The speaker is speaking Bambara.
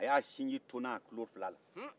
a y'a sinji tɔnni a tulo fila la